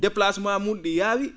déplacement mun ?i yaawi